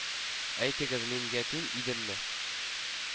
Әйтегез, мин ятим идемме?